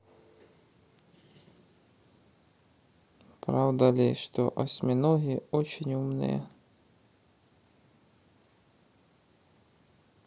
правда ли что осьминоги очень умные